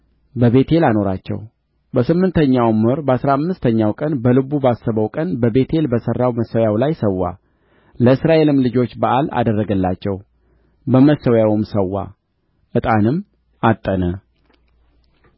በቤቴል በሠራው መሠዊያ ላይ ሠዋ ለእስራኤልም ልጆች በዓል አደረገላቸው በመሠዊያውም ሠዋ ዕጣንም ዐጠነ